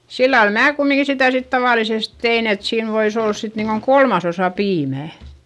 sillä lailla minä kumminkin sitä sitten tavallisesti tein että siinä voisi olla sitten niin kuin kolmasosa piimää